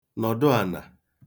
nọdụ ànà